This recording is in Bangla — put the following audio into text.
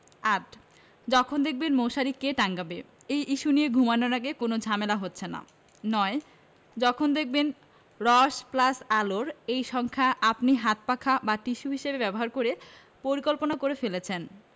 ৮. যখন দেখবেন মশারি কে টাঙাবে এই ইস্যু নিয়ে ঘুমানোর আগে কোনো ঝামেলা হচ্ছে না ৯. যখন দেখবেন রস+আলোর এই সংখ্যা আপনি হাতপাখা বা টিস্যু হিসেবে ব্যবহার করার পরিকল্পনা করে ফেলেছেন